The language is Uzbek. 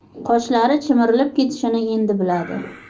qoshlari chimirilib ketishini endi biladi